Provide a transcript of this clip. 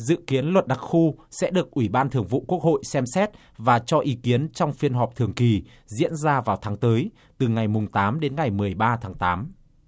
dự kiến luật đặc khu sẽ được ủy ban thường vụ quốc hội xem xét và cho ý kiến trong phiên họp thường kỳ diễn ra vào tháng tới từ ngày mùng tám đến ngày mười ba tháng tám